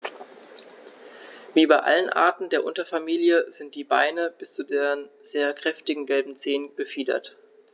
Wie bei allen Arten der Unterfamilie sind die Beine bis zu den sehr kräftigen gelben Zehen befiedert.